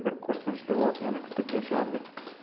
yana bir qo'rqinchli voqeani kutib yashardi